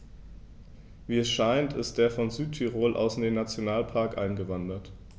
Wie es scheint, ist er von Südtirol aus in den Nationalpark eingewandert.